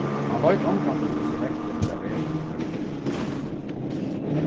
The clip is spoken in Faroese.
mann veit ongantíð hvussu veðrið fer at vera í føroyum